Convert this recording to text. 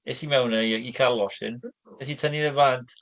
Es i mewn 'na, yy, i cael losin, wnes i tynnu fe bant.